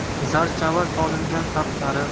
zarchava solingan sapsariq